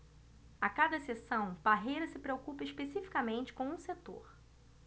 a cada sessão parreira se preocupa especificamente com um setor